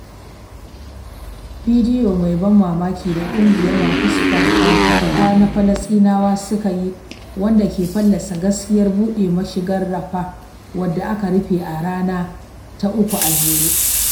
Bidiyo mai ban mamaki da ƙungiyar masu fafutuka na Falasɗinawa suka yi, wanda ke fallasa gaskiyar buɗe mashigar Rafah, wadda aka rufe a rana ta uku a jere.